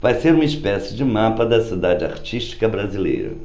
vai ser uma espécie de mapa da cidade artística brasileira